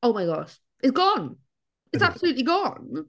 Oh my Gosh it's gone, it's absolutely gone.